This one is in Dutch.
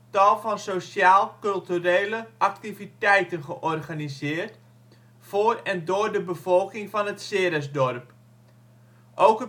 tal van sociaal culturele activiteiten georganiseerd voor en door de bevolking van het Ceresdorp. Ook